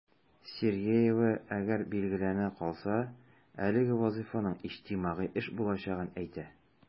Сергеева, әгәр билгеләнә калса, әлеге вазыйфаның иҗтимагый эш булачагын әйтә.